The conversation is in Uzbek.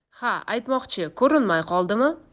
ha aytmoqchi ko'rinmay qoldimi